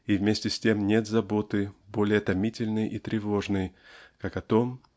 и вместе с тем нет заботы более томительной и тревожной как о том